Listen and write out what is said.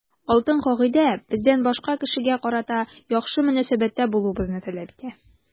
Алтын кагыйдә бездән башка кешегә карата яхшы мөнәсәбәттә булуыбызны таләп итә.